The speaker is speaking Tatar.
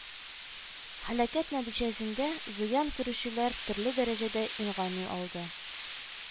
Һәлакәт нәтиҗәсендә, зыян көрүчеләр төрле дәрәҗәдә имгәнү алды